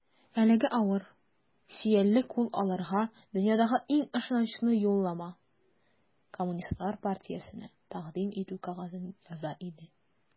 Әлеге авыр, сөялле кул аларга дөньядагы иң ышанычлы юллама - Коммунистлар партиясенә тәкъдим итү кәгазен яза иде.